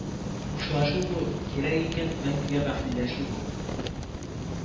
Хушлашу бу, кирәк икән, мәңгегә бәхилләшү бу